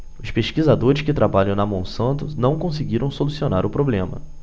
os pesquisadores que trabalham na monsanto não conseguiram solucionar o problema